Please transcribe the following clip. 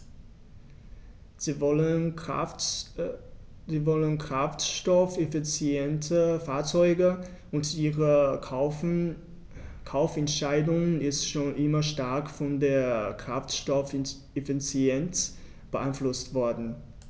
Sie wollen kraftstoffeffiziente Fahrzeuge, und ihre Kaufentscheidung ist schon immer stark von der Kraftstoffeffizienz beeinflusst worden.